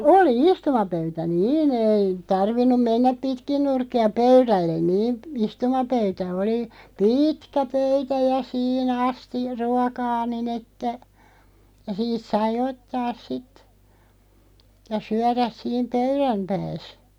oli istumapöytä niin ei tarvinnut mennä pitkin nurkkia pöydälle niin istumapöytä oli pitkä pöytä ja siinä - ruokaa niin että ja siitä sai ottaa sitten ja syödä siinä pöydänpäässä